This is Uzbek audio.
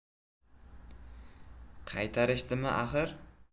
qaytarishdimi axir